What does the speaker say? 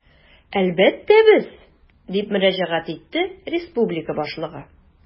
Әлбәттә, без, - дип мөрәҗәгать итте республика башлыгы.